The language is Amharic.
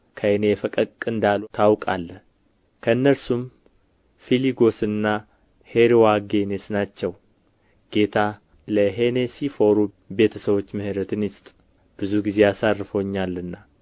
ከእኔ ፈቀቅ እንዳሉ ታውቃለህ ከእነርሱም ፊሎጎስና ሄርዋጌኔስ ናቸው ጌታ ልሄኔሲፎሩ ቤተ ሰዎች ምሕረትን ይስጥ ብዙ ጊዜ አሳርፎኛልና